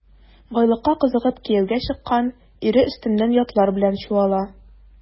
Байлыкка кызыгып кияүгә чыккан, ире өстеннән ятлар белән чуала.